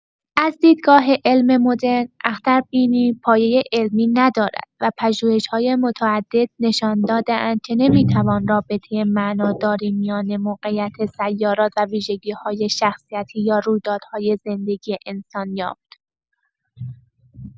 از دیدگاه علم مدرن، اختربینی پایه علمی ندارد و پژوهش‌‌های متعدد نشان داده‌اند که نمی‌توان رابطه معناداری میان موقعیت سیارات و ویژگی‌های شخصیتی یا رویدادهای زندگی انسان یافت.